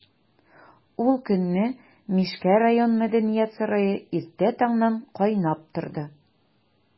Ул көнне Мишкә район мәдәният сарае иртә таңнан кайнап торды.